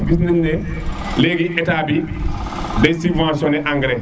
gis neñ ne leegi Etat bi dey subventionner engrais